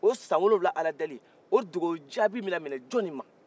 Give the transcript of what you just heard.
o san wolowula ala deli o dugawu jaabi bɛna minɛ jon nin ma